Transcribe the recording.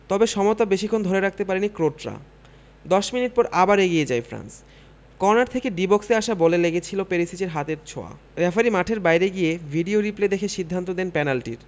তবে সমতা বেশিক্ষণ ধরে রাখতে পারেনি ক্রোটরা ১০ মিনিট পর আবার এগিয়ে যায় ফ্রান্স কর্নার থেকে ডি বক্সে আসা বলে লেগেছিল পেরিসিচের হাতের ছোঁয়া রেফারি মাঠের বাইরে গিয়ে ভিডিও রিপ্লে দেখে সিদ্ধান্ত দেন পেনাল্টির